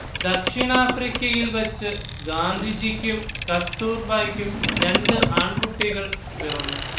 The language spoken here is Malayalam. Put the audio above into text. ദക്ഷിണാഫ്രിക്കയിൽ വച്ച് ഗാന്ധിജിക്കും കസ്തൂർബായ്ക്കും രണ്ട് ആൺകുട്ടികൾ പിറന്നു